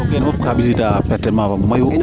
to keene fop kaa ɓisiida pertem fa mayu